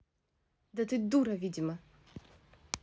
да ты дура видимо